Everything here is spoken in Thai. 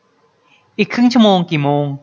อีกครึ่งชั่วโมงกี่โมง